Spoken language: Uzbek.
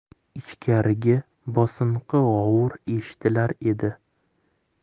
ichkarigi bosinqi g'ovur eshitilar edi